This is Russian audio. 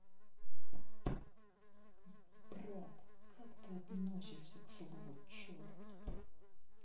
брат как ты относишься к слову черт